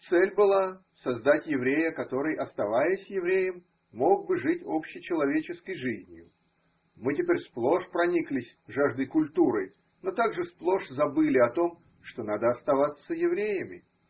Цель была – создать еврея, который, оставаясь евреем, мог бы жить общечеловеческой жизнью: мы теперь сплошь прониклись жаждой культуры, но так же сплошь забыли о том, что надо оставаться евреями.